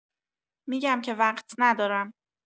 می‌گم که وقت ندارم.